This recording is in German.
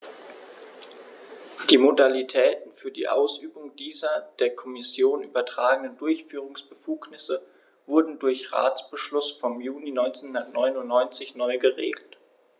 Die Modalitäten für die Ausübung dieser der Kommission übertragenen Durchführungsbefugnisse wurden durch Ratsbeschluss vom Juni 1999 neu geregelt.